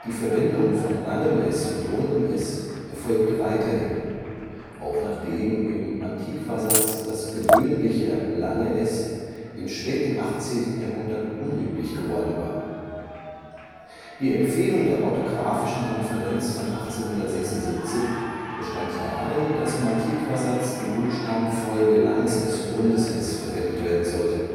Verwendung von ſs erfolgte weiterhin, auch nachdem im Antiquasatz das gewöhnliche ſ im späten 18. Jahrhundert unüblich geworden war. Die Empfehlung der Orthographischen Konferenz von 1876 bestand darin, dass im Antiquasatz die Buchstabenfolge ſs verwendet werden sollte